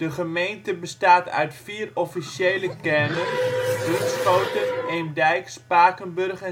gemeente bestaat uit vier officiële kernen: Bunschoten, Eemdijk, Spakenburg